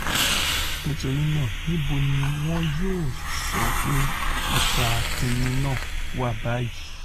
Nítorínáâ níbo ni wọn yóò sọ pé ipá-atini náà wà báyìí?